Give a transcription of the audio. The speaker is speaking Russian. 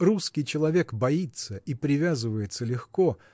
Русский человек боится и привязывается легко